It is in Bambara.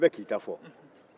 mɛ bɛɛ bɛ ka i ta fɔ